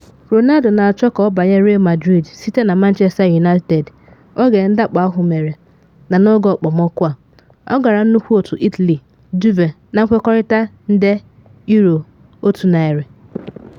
Ronaldo na-achọ ka ọ banye Real Madrid site na Manchester United oge ndakpo ahụ mere, na n’oge okpomọkụ a, ọ gara nnukwu otu Italy, Juve na nkwekọrịta nde €100.